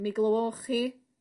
mi glywoch chi?